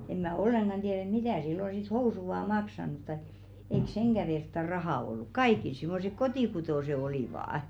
en minä ollenkaan tiedä että mitä silloin sitten housut ovat maksanut tai eikä senkään vertaa rahaa ollut kaikilla semmoiset kotikutoiset olivat